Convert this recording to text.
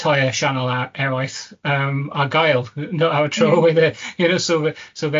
tair sianel a- eraill yym, ar gael ar y tro you know, you know so so felly